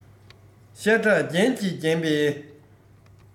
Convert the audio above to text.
ཤ ཁྲག རྒྱན གྱིས བརྒྱན པའི